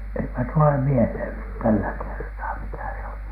eipä tule mieleen nyt tällä kertaa mikä se oli